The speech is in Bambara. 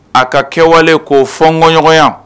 A ka kɛwale k'o fɔ nko ɲɔgɔn